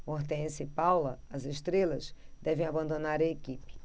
hortência e paula as estrelas devem abandonar a equipe